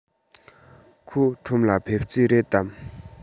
ཁོ ཁྲོམ ལ ཕེབས རྩིས རེད དམ